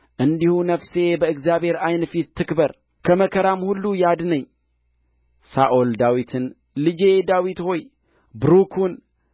እንዲሁ ነፍሴ በእግዚአብሔር ዓይን ፊት ትክበር ከመከራም ሁሉ ያድነኝ ሳኦል ዳዊትን ልጄ ዳዊት ሆይ ቡሩክ ሁን